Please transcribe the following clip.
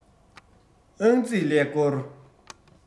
ཨང རྩིས ཀླད ཀོར